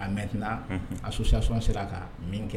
A mɛnt a sosoyasi sera a ka min kɛ